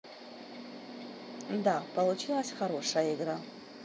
да получилась хорошая игра